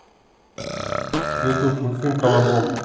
ютуб мультфильм колобок